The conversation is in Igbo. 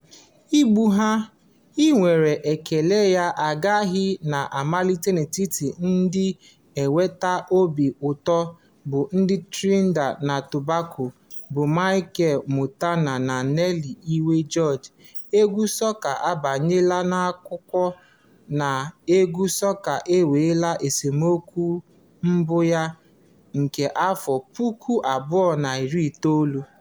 Ugbu a, iwere ekele nye agha na-amalite n'etiti ndị na-ewete obi ụtọ bụ ndị Trinidad na Tobago bụ Machel Montano na Neil "Iwer" George, egwu sọka abanyeela n'akwụkwọ na egwu sọka enweela esemokwu mbụ ya nke 2019.